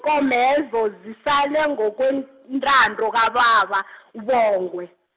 -komezo zisale ngokwen- -ntando kababa , uBongwe.